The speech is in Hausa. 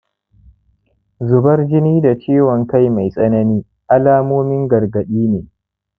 zubar jini da ciwon-kai mai tsanani alamomin gargaɗi ne